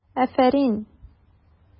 Афәрин!